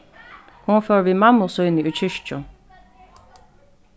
hon fór við mammu síni í kirkju